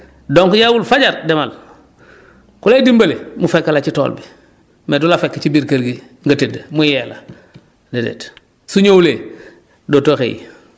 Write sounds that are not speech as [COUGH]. donc yeewul fajar demal [BREATH] ku lay dimbale mu fekk la ci tool bi mais du la fekk ci biir kër gi nga tëdd mu yee la déedéet su ñewulee dootoo xëy